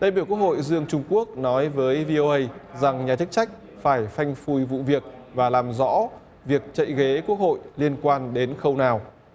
đại biểu quốc hội dương trung quốc nói với vi ô ây rằng nhà chức trách phải phanh phui vụ việc và làm rõ việc chạy ghế quốc hội liên quan đến khâu nào